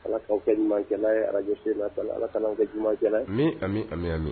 Ala' kɛ ɲumankɛla ye alaj sen na ala ka' kɛ ɲuman jɛ ye min a amimi